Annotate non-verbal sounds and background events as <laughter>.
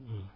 <hesitation> <hesitation>